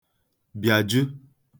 bịàju